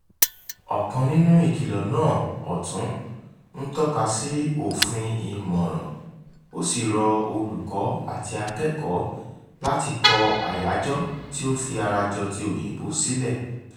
Ọ̀kan nínú ìkìlọ̀ náà (ọ̀tún) ń tọ́ka sí òfin "Ìmọ̀ràn" ó sì rọ olùkọ́ àti akẹ́kọ̀ọ́ láti kọ àyájọ́ tí ó fi ara jọ ti Òyìnbó sílẹ̀.